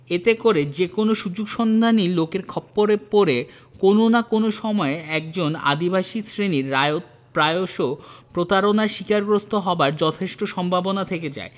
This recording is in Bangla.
এতে করে যেকোন সুযোগ সন্ধানী লোকের খপ্পরে পড়ে কোন না কোন সময়ে একজন আদিবাসী শ্রেণীর রায়ত প্রায়শ প্রতারণার শিকারগ্রস্ত হবার যথেষ্ট সম্ভাবনা থেকে যায়